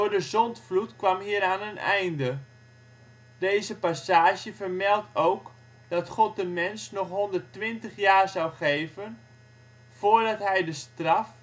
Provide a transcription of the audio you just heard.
de zondvloed kwam hieraan een einde. Deze passage vermeldt ook dat God de mens nog 120 jaar zou geven voordat hij de straf